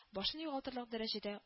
Башын югалтырлык дәрәҗәдә